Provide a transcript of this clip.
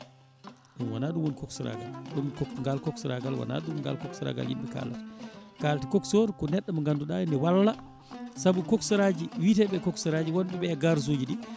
ɗum wona ɗum woni coxeur agal ɗum ko ngal coxeur agal wona ɗum ngal coxeur yimɓe kalata kalata coxeur ko neɗɗo mo ganduɗa ene walla saabu coxeur aji wiiteɓe ko coxeur aji wonɓeɓe e garage uji ɗi